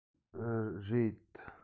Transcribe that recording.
རེད